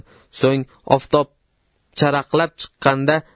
so'ng oftob charaqlab chiqqanda